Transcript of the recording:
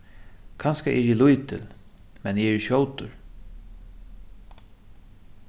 kanska eri eg lítil men eg eri skjótur